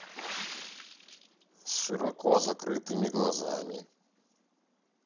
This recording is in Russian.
с широко закрытыми глазами